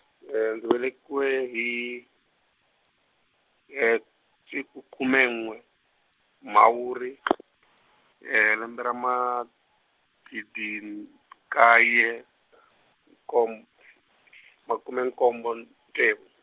ndzi velekiwe hi, siku khume n'we, Mhawuri , lembe ra magidi nkaye nkom- makume nkombo, ntsevu.